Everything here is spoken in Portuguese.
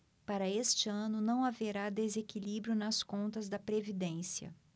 para este ano não haverá desequilíbrio nas contas da previdência